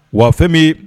Wa fɛn min